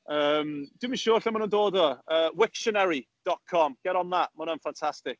Yym, dwi'm yn siŵr lle maen nhw'n dod o. Yy, Wiktionary.com. Get on that, maen nhw'n ffantastig.